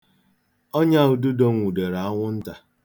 Ọnyaududo nwụdere anwụnta.